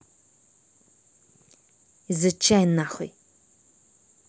изучай нахуй